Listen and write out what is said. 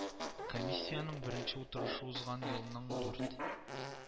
Комиссиянең беренче утырышы узган елның дүрт